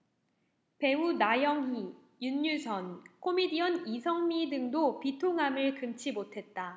배우 나영희 윤유선 코미디언 이성미 등도 비통함을 금치 못했다